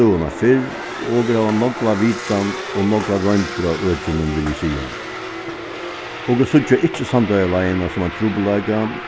støðuna fyrr og okur hava nógva vitan og nógvar royndir á økinum vil eg siga okur síggja ikki sandoyarleiðina sum ein trupulleika